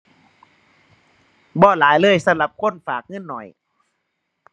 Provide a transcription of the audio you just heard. บ่หลายเลยสำหรับคนฝากเงินน้อย